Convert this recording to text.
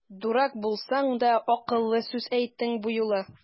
Дурак булсаң да, акыллы сүз әйттең бу юлы!